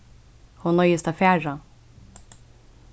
hon noyðist at fara